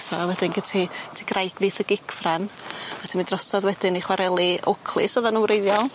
A wedyn gyn ti ti Graig Fyth y Gigfran a ti mynd drosodd wedyn i chwareli Oakleys oddan nw wreiddiol